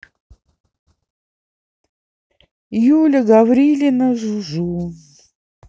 юля гаврилина жужу